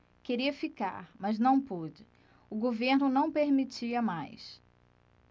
queria ficar mas não pude o governo não permitia mais